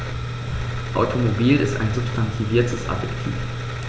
Automobil ist ein substantiviertes Adjektiv.